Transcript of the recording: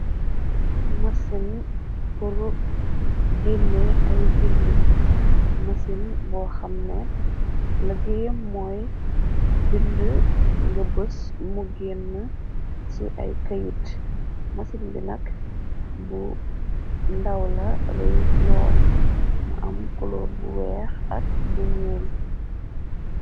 i ngi ay seen net buntam bi ibéfu naari buntiin len ib na nima nga si ay uutu yu nekkas ci talibi di dawg